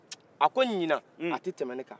a ko ɲinan tɛmɛ ne kan